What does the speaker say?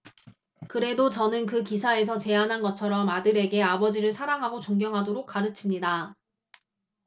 그래도 저는 그 기사에서 제안한 것처럼 아들에게 아버지를 사랑하고 존경하도록 가르칩니다